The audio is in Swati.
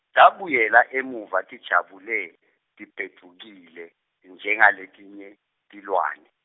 Tabuyela emuva tijabule, tibhedvukile, njengaletinye tilwane.